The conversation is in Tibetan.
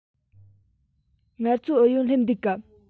ངལ རྩོལ ཨུ ཡོན སླེབས འདུག གམ